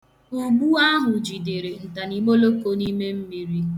Ụgbụ ahụ jidere ntaniimoloko n'ime mmiri.